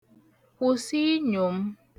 Kwụsị inyo m.